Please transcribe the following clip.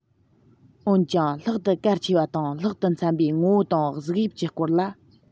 འོན ཀྱང ལྷག ཏུ གལ ཆེ བ དང ལྷག ཏུ འཚམ པའི ངོ བོ དང གཟུགས དབྱིབས ཀྱི སྐོར ལ